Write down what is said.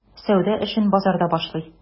Сәүдә эшен базарда башлый.